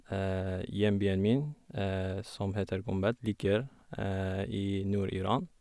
Hjembyen min, som heter Gonbad, ligger i Nord-Iran.